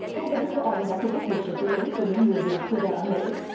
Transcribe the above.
cố gắng của ông đã thu hút được sự chú ý của những người dùng thuy đời ở mỹ